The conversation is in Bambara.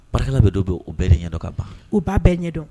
Barika bɛ dɔw bɛ o bɛɛ ɲɛdɔn ka ban o ba bɛɛ ɲɛdɔn